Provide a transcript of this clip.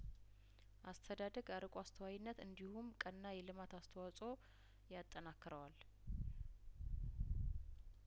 አስተዳደግ አርቆ አስተዋይነት እንዲሁም ቀና የልማት አስተዋጽኦ ያጠናክረዋል